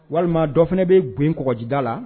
Walima dɔ fana bɛ gɔgɔjida la